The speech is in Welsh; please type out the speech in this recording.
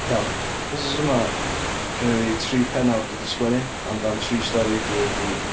Iawn, wsos yma, gynna fi tri pennawd dwi 'di sgwennu, amdan tri stori dwi wedi...